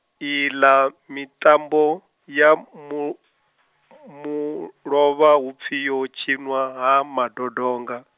i ḽa mitambo ya mu-, mulovha hupfi yo tshinwa Ha Madodonga.